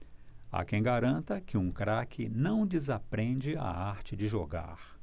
há quem garanta que um craque não desaprende a arte de jogar